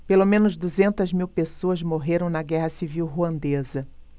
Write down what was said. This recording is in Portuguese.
pelo menos duzentas mil pessoas morreram na guerra civil ruandesa